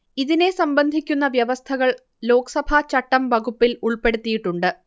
ഇതിനെ സംബന്ധിക്കുന്ന വ്യവസ്ഥകൾ ലോക്സഭാചട്ടം വകുപ്പിൽ ഉൾപ്പെടുത്തിയിട്ടുണ്ട്